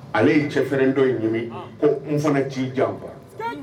Ale ye cɛfɛrin dɔ ye ɲumanmi ko n fana ci janba